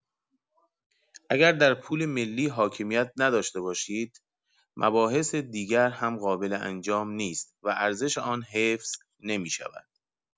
اگر در پول ملی حاکمیت نداشته باشید مباحث دیگر هم قابل انجام نیست و ارزش آن حفظ نمی‌شود.